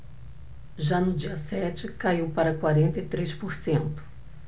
já no dia sete caiu para quarenta e três por cento